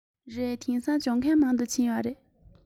རེད དེང སང སྦྱོང མཁན མང དུ ཕྱིན ཡོད རེད